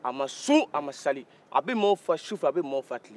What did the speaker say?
a ma sun a sali a bɛ maaw faga su fe a bɛ maaw faga tile fɛ